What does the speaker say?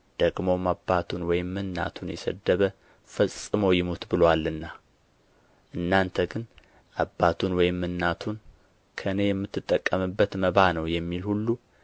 ደግሞ አባቱን ወይም እናቱን የሰደበ ፈጽሞ ይሙት ብሎአልና እናንተ ግን አባቱን ወይም እናቱን ከእኔ የምትጠቀምበት መባ ነው የሚል ሁሉ